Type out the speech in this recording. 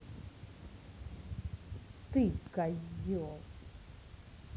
ты козел